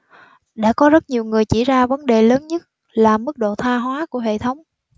đã có rất nhiều người chỉ ra vấn đề lớn nhất là mức độ tha hóa của hệ thống